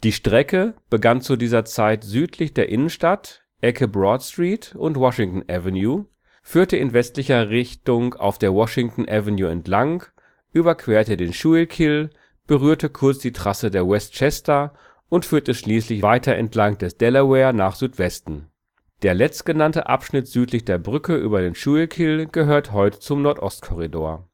Strecke begann zu dieser Zeit südlich der Innenstadt, Ecke Broad Street und Washington Avenue, führte in westlicher Richtung auf der Washington Avenue entlang, überquerte den Schuylkill, berührte kurz die Trasse der West Chester und führte schließlich weiter entlang des Delaware nach Südwesten. Der letztgenannte Abschnitt südlich der Brücke über den Schuylkill gehört heute zum Nordost-Korridor